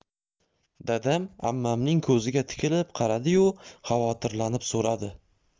dadam ammamning ko'ziga tikilib qaradiyu xavotirlanib so'radi